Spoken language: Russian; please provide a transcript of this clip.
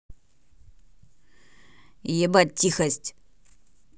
ебать тихость